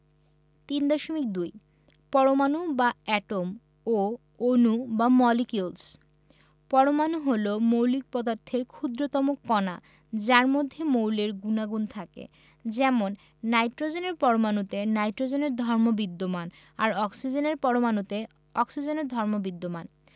৩.২ পরমাণু বা এটম ও অণু বা মলিকিউলস পরমাণু হলো মৌলিক পদার্থের ক্ষুদ্রতম কণা যার মধ্যে মৌলের গুণাগুণ থাকে যেমন নাইট্রোজেনের পরমাণুতে নাইট্রোজেনের ধর্ম বিদ্যমান আর অক্সিজেনের পরমাণুতে অক্সিজেনের ধর্ম বিদ্যমান